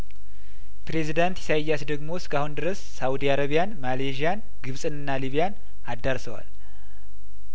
ፕሬዚዳንት ኢሳይያስ ደግሞ እስካሁን ድረስ ሳውዲ አረቢያን ማሌዢያን ግብጽንና ሊቢያን አዳርሰዋል